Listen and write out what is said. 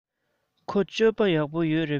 ཁོའི སྤྱོད པ ཡག པོ ཡོད མ རེད པས